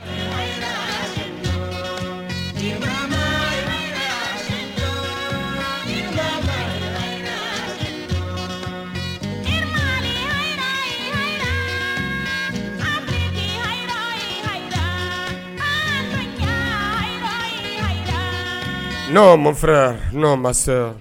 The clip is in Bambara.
La ka la n ma fɔra n ma se